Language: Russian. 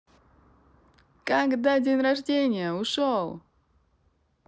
когда день рождения ушел